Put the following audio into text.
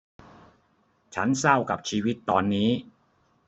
ฉันเศร้ากับชีวิตตอนนี้